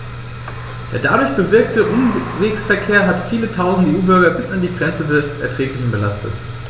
Der dadurch bewirkte Umwegsverkehr hat viele Tausend EU-Bürger bis an die Grenze des Erträglichen belastet.